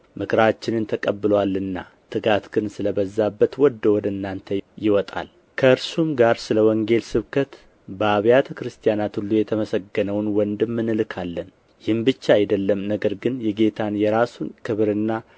ምክራችንን ተቀብሎአልና ትጋት ግን ስለ በዛበት ወዶ ወደ እናንተ ይወጣል ከእርሱም ጋር ስለ ወንጌል ስብከት በአብያተ ክርስቲያናት ሁሉ የተመሰገነውን ወንድም እንልካለን ይህም ብቻ አይደለም ነገር ግን የጌታን የራሱን ክብርና